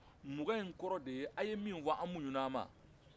mugan in kɔrɔ de ye a ye min fɔ an muɲu n'a ma